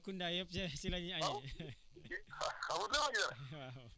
mais léegi da ngay gis gars yi di woyaale daénuy tibb gerte gi di boxom di liggéey